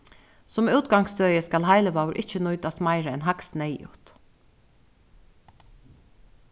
sum útgangsstøði skal heilivágur ikki nýtast meira enn hægst neyðugt